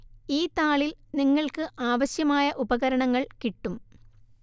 ഈ താളിൽ നിങ്ങൾക്ക് ആവശ്യമായ ഉപകരണങ്ങൾ കിട്ടും